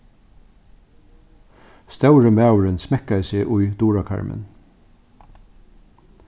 stóri maðurin smekkaði seg í durakarmin